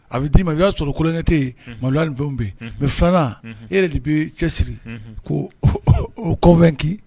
A bɛ d'i ma i b'a sɔrɔ tulonkɛ tun te yen, unhun, maloya ni fɛnW bɛ yen , mais 2 nan , unhun, e yɛrɛ de bɛ i cɛ siri , unhun, k'o convaincre